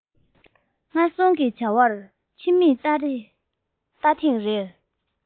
སྔར སོང གི བྱ བར ཕྱི མིག བལྟ ཐེངས རེར